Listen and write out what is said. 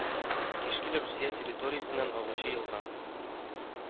Кишкиль Русия территориясеннән агучы елга